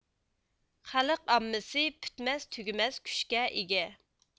خەلق ئاممىسى پۈتمەس تۈگىمەس كۈچگە ئىگە